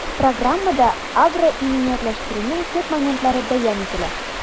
Программада агроиминиятләштерүнең төп моментлары бәян ителә.